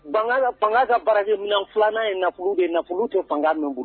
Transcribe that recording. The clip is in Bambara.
Ka bara min filanan ye nafolo de ye nafolo tɛ fanga min bolo